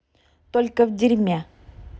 только в дерьме